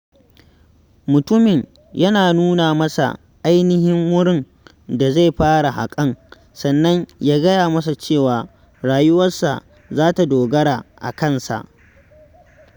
Mutumin ya nuna masa ainihin wurin da zai fara haƙan, sannan ya gaya masa cewa rayuwarsa za ta dogara a kansa.